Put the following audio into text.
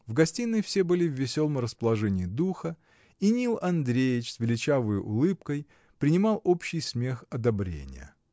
В гостиной все были в веселом расположении духа, и Нил Андреич, с величавою улыбкой, принимал общий смех одобрения.